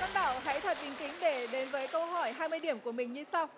văn bảo hãy thật bình tĩnh để đến với câu hỏi hai mươi điểm của mình như sau